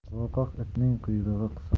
qo'rqoq itning quyrug'i qisiq